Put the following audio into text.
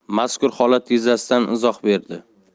mazkur holat yuzasidan izoh berdi